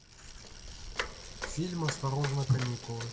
фильм осторожно каникулы